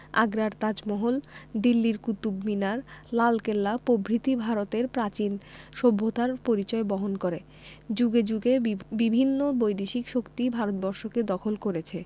আগ্রার তাজমহল দিল্লির কুতুব মিনার লালকেল্লা প্রভৃতি ভারতের প্রাচীন সভ্যতার পরিচয় বহন করেযুগে যুগে বিভিন্ন বৈদেশিক শক্তি ভারতবর্ষকে দখল করেছে